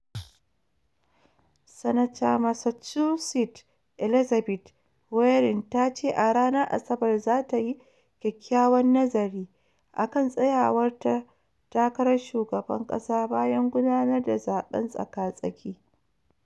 Sanatar Massachusetts Elizabeth Warren ta ce a ranar Asabar za ta yi "kyakkyawan nazari’’ akan tsayawar ta takarar Shugaban kasa bayan gudanar zaben tsaka-tsaki.